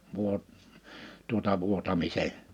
- tuota vuotamisen